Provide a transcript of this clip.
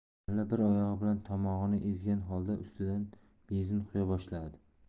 malla bir oyog'i bilan tomog'ini ezgan holda ustidan benzin quya boshladi